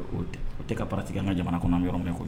O tɛ ka tigɛ ka jamana kɔnɔ yɔrɔ min koyi